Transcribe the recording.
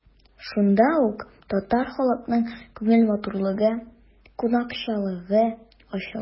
Шунда ук татар халкының күңел матурлыгы, кунакчыллыгы ачыла.